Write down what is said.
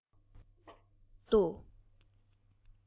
དུས རྒྱུན བཞིན ལྕགས ཐབ འོག ཏུ